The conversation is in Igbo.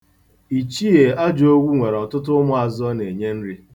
Ichie Ajọgwu nwere ọtụtụ ụmụazụ ọ na-enye nri.